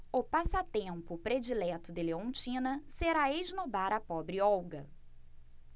o passatempo predileto de leontina será esnobar a pobre olga